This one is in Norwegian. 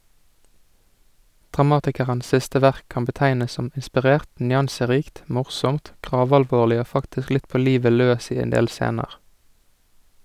Dramatikerens siste verk kan betegnes som inspirert, nyanserikt, morsomt, gravalvorlig og faktisk litt på livet løs i en del scener.